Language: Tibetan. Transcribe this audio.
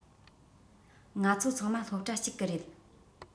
ང ཚོ ཚང མ སློབ གྲྭ གཅིག གི རེད